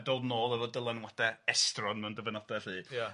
a dod nôl efo dylanwada estron mewn dyfynoda 'lly... Ia...